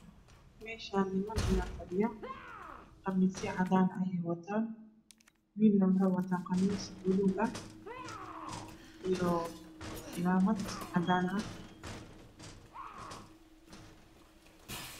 Meeshaan niman ayaa fadhiya qamiisyo cadaana ayeey wataan wiilna wuxu wataa qamiis buluug ah iyo cimaamad cadaan ah